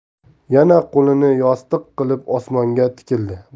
yana qo'lini yostiq qilib osmonga tikildi